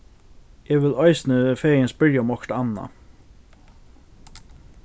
eg vil eisini fegin spyrja um okkurt annað